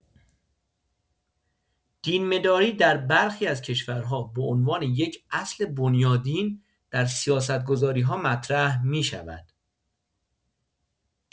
دین‌مداری در برخی از کشورها به‌عنوان یک اصل بنیادین در سیاست‌گذاری‌ها مطرح می‌شود.